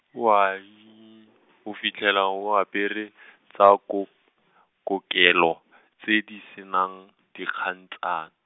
owai, a fitlhela a apere , tsa ko-, kokelo , tse di se nang, dikgantsan-.